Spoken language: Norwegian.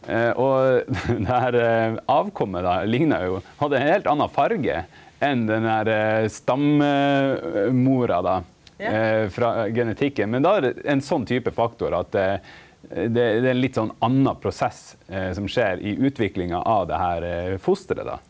og det herre avkommet då likna jo hadde ein heilt anna farge enn den herre stammora då frå genetikken, men då er det ein sånn type faktor at det det det er ein litt sånn anna prosess som skjer i utviklinga av det her fosteret då.